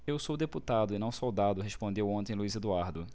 eu sou deputado e não soldado respondeu ontem luís eduardo